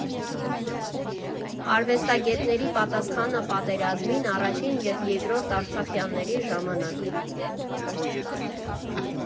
Արվեստագետների պատասխանը պատերազմին՝ առաջին և երկրորդ Արցախյանների ժամանակ։